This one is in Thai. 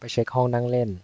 ไปเช็คห้องนั่งเล่น